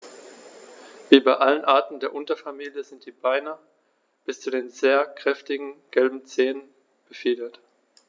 Wie bei allen Arten der Unterfamilie sind die Beine bis zu den sehr kräftigen gelben Zehen befiedert.